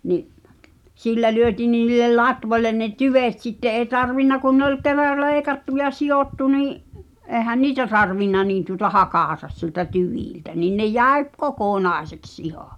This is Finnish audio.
niin sillä lyötiin niin niille latvoille ne tyvet sitten ei tarvinnut kun ne oli kerran leikattu ja silvottu niin eihän niitä tarvinnut niin tuota hakata sieltä tyviltä niin ne jäi - kokonaiseksi ihan